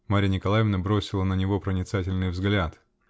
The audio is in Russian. Марья Николаевна бросила на него проницательный взгляд.